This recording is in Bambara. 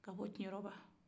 ka bɔ kɛyoroba